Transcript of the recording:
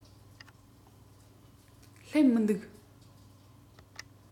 སླེབས མི འདུག